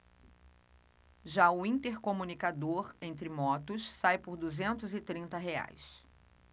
já o intercomunicador entre motos sai por duzentos e trinta reais